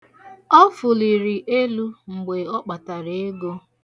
Ọ fuliri elu mgbe ọ kpatara ego.